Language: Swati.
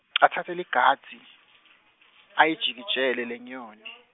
atsatse ligadze , ayijikijekele lenyoni.